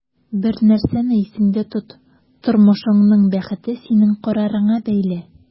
Бер нәрсәне исеңдә тот: тормышыңның бәхете синең карарыңа бәйле.